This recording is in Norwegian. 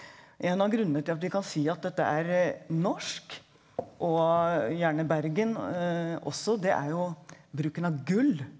en av grunnene til at vi kan si at dette er norsk og gjerne Bergen også det er jo bruken av gull.